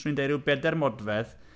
'Swn i'n deud ryw bedair modfedd.